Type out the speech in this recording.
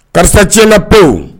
Karisa cɛ la pewu